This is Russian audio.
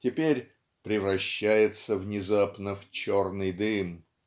теперь "превращается внезапно в черный дым".